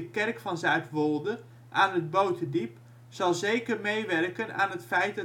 Kerk van Zuidwolde aan het Boterdiep zal zeker meewerken aan het feit